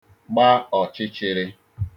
gba ọ̀chịchịrị̄